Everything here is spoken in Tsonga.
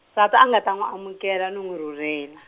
nsati a nga ta n'wi amukela no n'wi rhurhela.